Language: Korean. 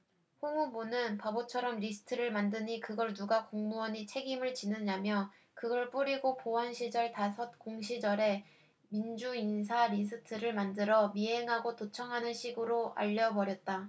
홍 후보는 바보처럼 리스트를 만드니 그걸 누가 공무원이 책임을 지느냐며 그걸 뿌리고 보안시절 다섯 공시절에 민주인사 리스트를 만들어 미행하고 도청하는 식으로 알려 버렸다